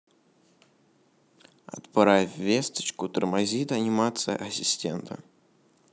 отправь весточку тормозит анимация ассистента